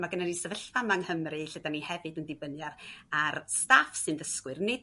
ma' gyno ni sefyllfa yma yng Nghymru lle 'da ni hefyd yn dibynnu a'r a'r staff sy'n ddysgwyr nid